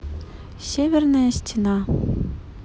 северная стена